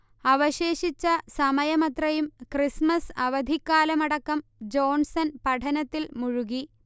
അവശേഷിച്ച സമയമത്രയും ക്രിസ്മസ് അവധിക്കാലമടക്കം ജോൺസൺ പഠനത്തിൽ മുഴുകി